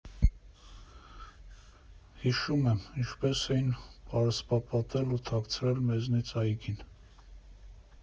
«Հիշում եմ՝ ինչպես էին պարսպապատել ու թաքցրել մեզնից այգին։